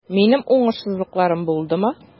Минем уңышсызлыкларым булдымы?